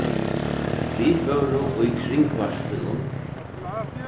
vit vóru í kringvarpinum